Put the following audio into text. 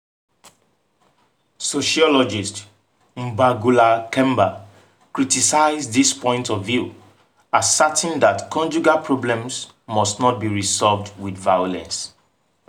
Sociologist Mbangula Kemba criticized this point of view, asserting that conjugal problems must not be resolved with violence.